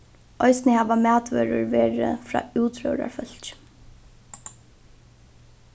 eisini hava matvørur verið frá útróðrarfólki